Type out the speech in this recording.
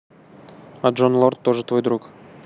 а jon lord тоже твой друг